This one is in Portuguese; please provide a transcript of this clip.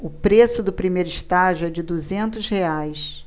o preço do primeiro estágio é de duzentos reais